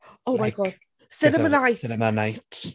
Oh my God... Like ...Cinema Night!... Cinema Night.